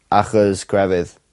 Achos crefydd.